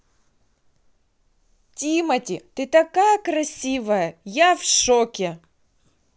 тимати ты такая красивая я в шоке